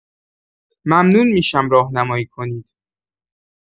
ممنون می‌شم راهنمایی کنید.